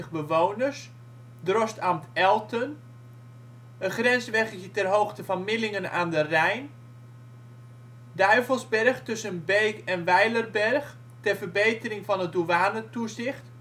bewoners (Drostambt Elten); Grensweggetje ter hoogte van Millingen aan de Rijn; Duivelsberg tussen Beek en Wijlerberg, ter verbetering van het douanetoezicht